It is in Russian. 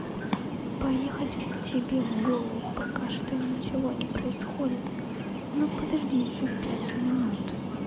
поехать тебе в голову пока что ничего не приходит ну подожди еще пять минут